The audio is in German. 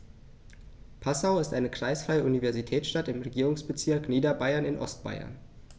Passau ist eine kreisfreie Universitätsstadt im Regierungsbezirk Niederbayern in Ostbayern.